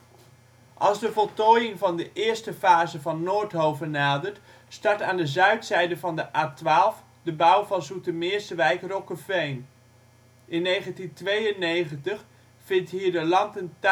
Als de voltooiing van de eerste fase van Noordhove nadert, start aan de zuidzijde van de A12 de bouw van Zoetermeers wijk: Rokkeveen. In 1992 vindt hier de land - en tuinbouwtentoonstelling